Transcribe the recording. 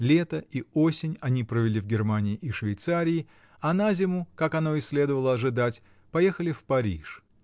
Лето и осень они провели в Германии и Швейцарии, а на зиму, как оно и следовало ожидать, поехали в Париж.